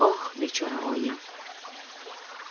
oh bechora oyim